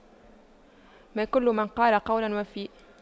ما كل من قال قولا وفى